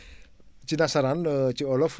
ci nasaraan ci olof